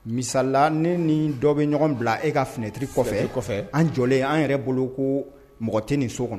Misala ne ni dɔ bɛ ɲɔgɔn bila e ka finɛtiriri kɔfɛ e an jɔlen an yɛrɛ boloko ko mɔgɔ tɛ nin so kɔnɔ